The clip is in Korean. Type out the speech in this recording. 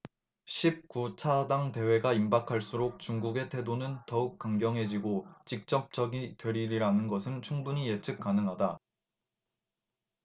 십 구 차 당 대회가 임박할수록 중국의 태도는 더욱 강경해지고 직접적이 되리리라는 것은 충분히 예측 가능하다